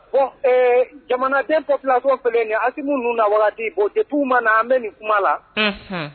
Jamanadenp filaso filɛ ye amu ninnu na bɔn jate ma na an bɛ nin kuma la